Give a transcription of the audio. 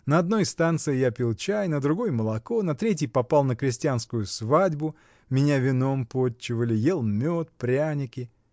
На одной станции я пил чай, на другой молоко, на третьей попал на крестьянскую свадьбу — меня вином потчевали, ел мед, пряники.